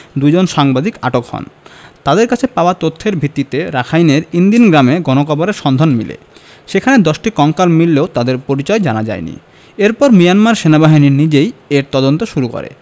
দুজন সাংবাদিক আটক হন তাঁদের কাছে পাওয়া তথ্যের ভিত্তিতে রাখাইনের ইন দিন গ্রামে গণকবরের সন্ধান মেলে সেখানে ১০টি কঙ্কাল মিললেও তাদের পরিচয় জানা যায়নি এরপর মিয়ানমার সেনাবাহিনী নিজেই এর তদন্ত শুরু করে